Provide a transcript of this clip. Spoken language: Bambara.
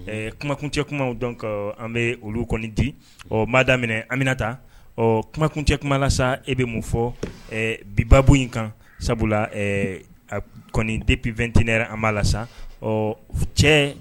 Kumakuncɛ kuma dɔn an bɛ olu kɔni di ɔ ma daminɛ minɛ anmina taa ɔ kumakuncɛ kumala sa e bɛ mun fɔ bibabo in kan sabula kɔnidip2tinɛ an b' la sa ɔ cɛ